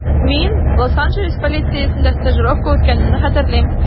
Мин Лос-Анджелес полициясендә стажировка үткәнемне хәтерлим.